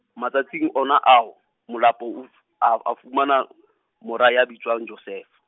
matsatsing ona ao Molapo o f-, a a fumana , mora ya bitswang Josefa.